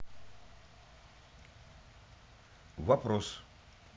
вопрос